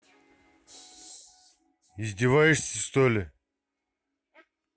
издевайся что ли